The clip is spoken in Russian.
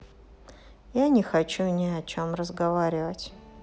я не хочу ни о чем разговаривать